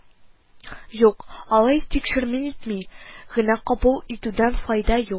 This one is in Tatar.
Юк, алай тикшерми-нитми генә кабул итүдән файда юк